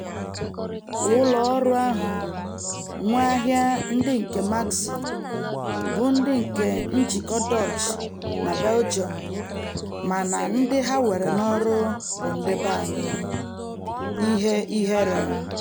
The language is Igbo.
Ụlọ ọrụ ahụ [nwe ahịa ndị nke Maxi] bụ nke njikọ Dutch na Belgium mana ndị ha were n'ọrụ bụ ndị be anyị! Ihe ihere!